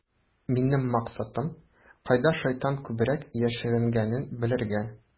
Минем максатым - кайда шайтан күбрәк яшеренгәнен белергә.